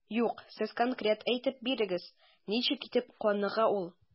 Юк, сез конкрет әйтеп бирегез, ничек итеп каныга ул?